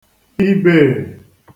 ibē è